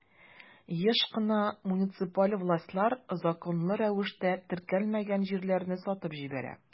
Еш кына муниципаль властьлар законлы рәвештә теркәлмәгән җирләрне сатып җибәрә.